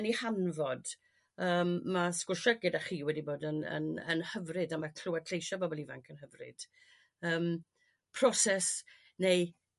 yn 'i hanfod yrm ma' sgwrsio gyda chi wedi bod yn yn yn hyfryd a ma' clywed lleisie bobol ifanc yn hyfryd yrm proses neu